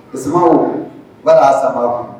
Sumaworo''a sama